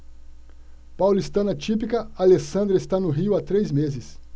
paulistana típica alessandra está no rio há três meses